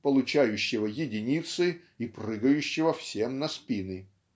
получающего единицы и прыгающего всем на спины.